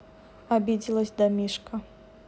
обиделась да мишка